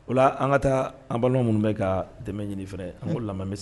Ola an ka taa an baliman minnu bɛ ka dɛmɛ ɲini fɛnɛ an b'olu lamɛn an be se